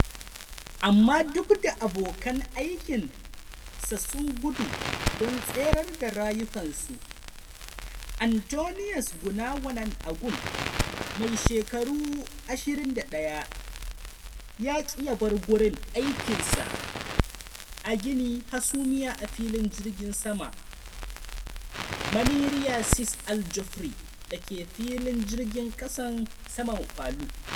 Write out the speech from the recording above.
Amma duk da abokan aikin sa sun gudu don tserar da rayukansu, Anthonius Gunawan Agung, mai shekaru 21, ya ki ya bar gurin aikin sa a gini hasumiya a filin jirgin saman Maniara Sis Al Jufri dake filin jirgin saman Palu.